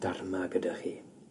Dharma gyda chi